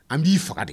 An b'i faga de